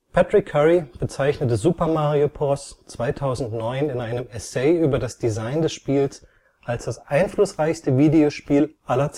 Patrick Curry bezeichnete Super Mario Bros. 2009 in einem Essay über das Design des Spiels als das einflussreichste Videospiel aller